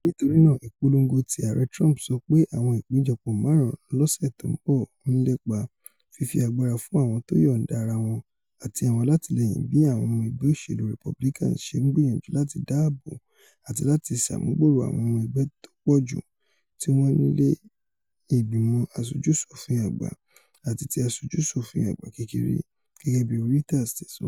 Nítorínáa, ìpolongo ti Ààrẹ Trump sọ pé àwọn ìpéjọpọ̀ máàrún lọ́sẹ̀ tó ńbọ̀ ńlépa fún ''fífi agbára fún àwọn tóyọ̀ǹda ara wọn àti àwọn alátìlẹ́yìn bí àwọn ọmọ ẹgbẹ́ òṣelú Rebulicans ṣe ńgbìyànjú láti dáàbò àti láti ṣàmúgbòòrò àwọn ọmọ ẹgbẹ́ tópọ̀ju tíwọ́n nílé Ìgbìmọ̀ Aṣojú-ṣòfin Àgbà ati ti Aṣojú-ṣòfin Àgbà kékeré,'' gẹ́gẹ̵̵́bí Reuters ti sọ.